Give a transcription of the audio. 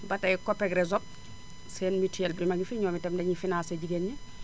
ba tey Copeg Resop seen mutuel bi ma ngi fi ñoom itam dañuy financé jigéen ñi